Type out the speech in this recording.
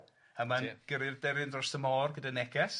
A ma'n gyrru'r deryn dros y môr gyda neges.